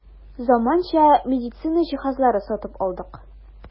Заманча медицина җиһазлары сатып алдык.